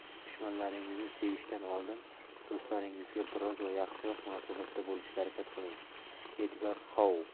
dushmanlaringizni sevishdan oldin do'stlaringizga biroz yaxshiroq munosabatda bo'lishga harakat qiling edgar xou